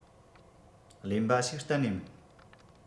གླེན པ ཞིག གཏན ནས མིན